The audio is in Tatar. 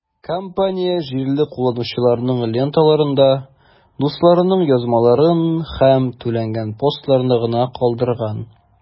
Компания җирле кулланучыларның ленталарында дусларының язмаларын һәм түләнгән постларны гына калдырган.